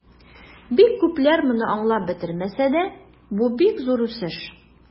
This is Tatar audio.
Бик күпләр моны аңлап бетермәсә дә, бу бик зур үсеш.